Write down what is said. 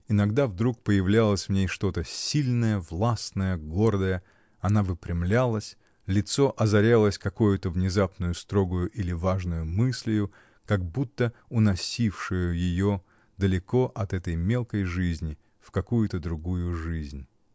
Иногда вдруг появлялось в ней что-то сильное, властное, гордое: она выпрямлялась, лицо озарялось какою-то внезапною строгою или важною мыслию, как будто уносившею ее далеко от этой мелкой жизни в какую-то другую жизнь.